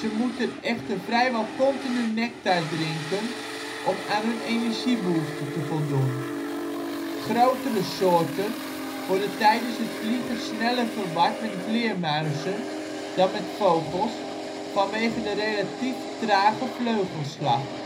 moeten echter vrijwel continu nectar drinken om aan hun energiebehoefte te voldoen. Grotere soorten worden tijdens het vliegen sneller verward met vleermuizen dan met vogels vanwege de relatief trage vleugelslag